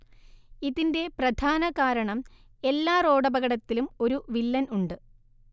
ഇതിന്റെ പ്രധാന കാരണം എല്ലാ റോഡപകടത്തിലും ഒരു വില്ലൻ ഉണ്ട്